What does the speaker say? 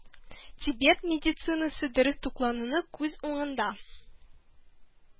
Тибет медицинасы дөрес туклануны күз уңында